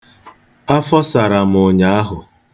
Afọ sara m ụnyaahụ.